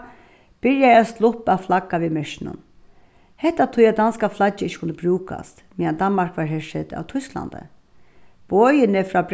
byrjaði ein slupp at flagga við merkinum hetta tí at danska flaggið ikki kundi brúkast meðan danmark var hersett av týsklandi boðini frá